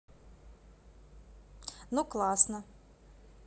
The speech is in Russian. ну классно